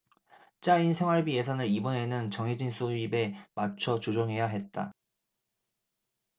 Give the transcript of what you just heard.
짜인 생활비 예산을 이번에는 정해진 수입에 맞춰 조정해야 했다